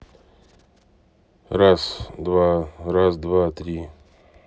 раз два раз два три